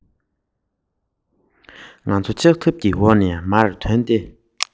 རྒྱ སྐས ལས མི ཞིག འཛེགས པའི